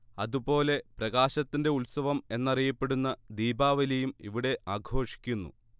അതു പോലെ പ്രകാശത്തിന്റെ ഉത്സവം എന്നറിയപ്പെടുന്ന ദീപാവലിയും ഇവിടെ ആഘോഷിക്കുന്നു